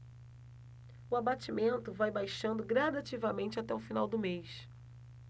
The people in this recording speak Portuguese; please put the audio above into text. o abatimento vai baixando gradativamente até o final do mês